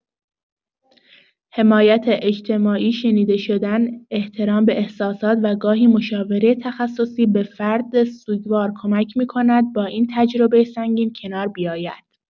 حمایت اجتماعی، شنیده شدن، احترام به احساسات و گاهی مشاوره تخصصی، به فرد سوگوار کمک می‌کند با این تجربه سنگین کنار بیاید.